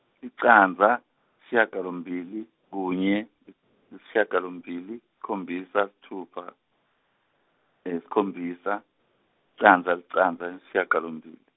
licandza, shiyagalombili, kunye, shiyagalombili, sikhombisa, sitfupha, sikhombisa, licandza, licandza, shiyagalombili.